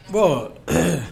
Bɔn